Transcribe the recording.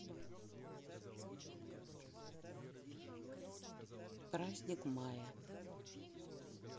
праздник мая